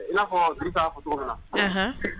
I n'a fɔ futa'a fɔ dɔgɔ na